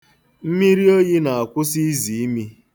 Mmiri oyi na-akwụsị iziimi.